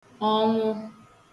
ọnwụ